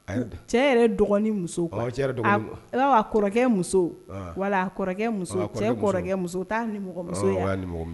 Cɛ yɛrɛ dɔgɔnin kɔrɔkɛ wala kɔrɔkɛ cɛ muso